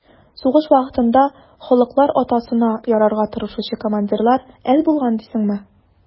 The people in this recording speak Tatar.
Сугыш вакытында «халыклар атасына» ярарга тырышучы командирлар әз булган дисеңме?